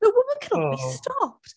The woman cannot be stopped!